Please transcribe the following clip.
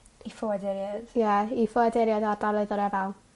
I ffoaduriaid. Ie i ffoaduriaid ardaloedd y ryfel.